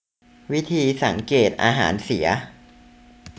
วิธีสังเกตุอาหารเสีย